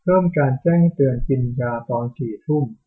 เพิ่มการแจ้งเตือนกินยาตอนสี่ทุ่ม